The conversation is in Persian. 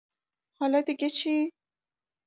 حالا دیگه چی؟